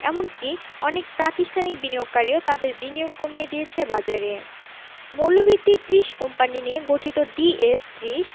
এমনকি অনেক প্রাতিষ্ঠানিক বিনিয়োগকারীও তাদের বিনিয়োগ কমিয়ে দিয়েছে বাজারে মৌলভিত্তির ৩০ কোম্পানি নিয়ে গঠিত ডিএস ৩০